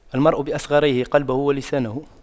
المرء بأصغريه قلبه ولسانه